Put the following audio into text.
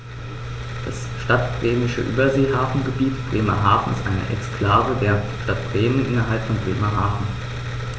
Das Stadtbremische Überseehafengebiet Bremerhaven ist eine Exklave der Stadt Bremen innerhalb von Bremerhaven.